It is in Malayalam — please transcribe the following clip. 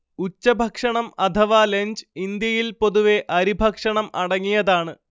ഉച്ചഭക്ഷണം അഥവ ലഞ്ച് ഇന്ത്യയിൽ പൊതുവെ അരിഭക്ഷണം അടങ്ങിയതാണ്